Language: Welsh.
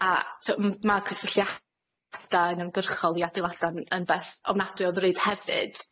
a t'o' m- ma' cysylltiada uniongyrchol i adeilada'n yn beth ofnadwy o ddrud hefyd.